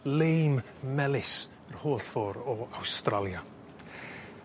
Leim melys yr holl ffor o Awstralia.